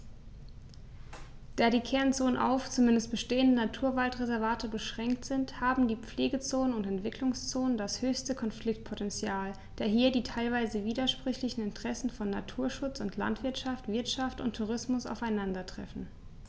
Da die Kernzonen auf – zumeist bestehende – Naturwaldreservate beschränkt sind, haben die Pflegezonen und Entwicklungszonen das höchste Konfliktpotential, da hier die teilweise widersprüchlichen Interessen von Naturschutz und Landwirtschaft, Wirtschaft und Tourismus aufeinandertreffen.